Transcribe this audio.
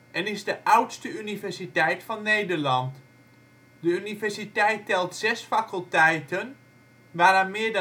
en is de oudste universiteit van Nederland. De universiteit telt zes faculteiten, waaraan meer